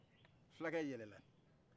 fila kɛ yɛlɛ la